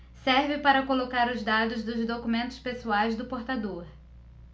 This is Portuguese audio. serve para colocar os dados dos documentos pessoais do portador